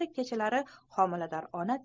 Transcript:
kechalari homilador ona